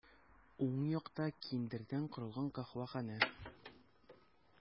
Уң якта киндердән корылган каһвәханә.